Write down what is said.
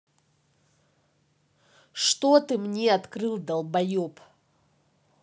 что ты мне открыл долбоеб